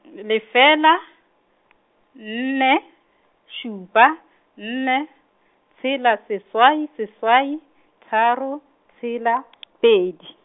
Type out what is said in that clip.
lefela , nne, šupa, nne, tshela seswai seswai, tharo, tshela , pedi.